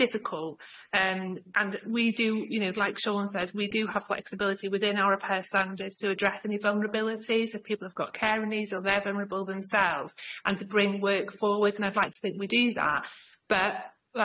difficult, and and we do you know like Sean says we do have flexibility within our repair standards to address any vulnerabilities, if people have got care needs or they're vulnerable themselves and to bring work forward and I'd like to think we do that but,